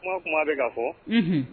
Kuma kuma a bɛ ka fɔ